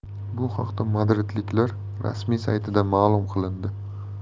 bu haqida madridiklar rasmiy saytida ma'lum qilindi